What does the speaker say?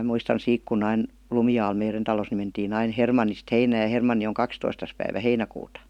muistan siitä kun aina Lumialla meidän talossa niin mentiin aina Hermannista heinään ja Hermanni on kahdestoista päivä heinäkuuta